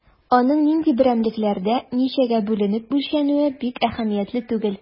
Аның нинди берәмлекләрдә, ничәгә бүленеп үлчәнүе бик әһәмиятле түгел.